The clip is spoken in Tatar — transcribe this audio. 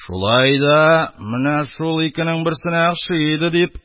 Шулай да менә шул икенең берсенә охшый иде», — дип,